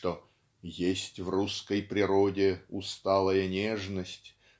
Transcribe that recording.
что "есть в русской природе усталая нежность